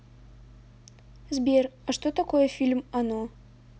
сбер а что такое фильм оно